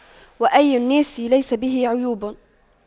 وأي الناس ليس به عيوب